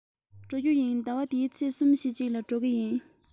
ད དུང སོང མེད ཟླ བ འདིའི ཚེས གསུམ བཞིའི གཅིག ལ འགྲོ གི ཡིན